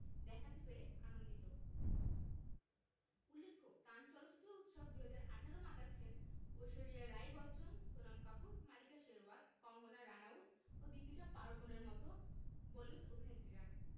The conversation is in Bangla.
দেখাতে পেরে আনন্দিত উল্লেখ্য কান চলচ্চিত্র উৎসব ২০১৮ মাতাচ্ছেন ঐশ্বরিয়া রাই বচ্চন সোনম কাপুর মাল্লিকা শেরওয়াত কঙ্গনা রানাউত ও দীপিকা পাড়–কোনের মতো বলিউড অভিনেত্রীরা